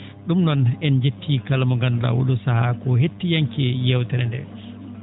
?um noon en njetti kala mo ngandu?aa oo?oo sahaa ko hettiyanke yeewtere ndee